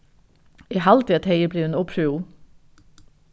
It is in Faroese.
eg haldi at tey eru blivin ov prúð